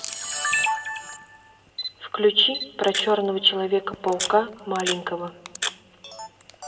включи про черного человека паука маленького